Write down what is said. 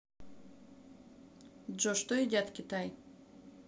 джой что едят китай